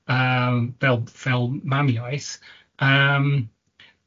yym fel ff- fel m- mamiaith, yym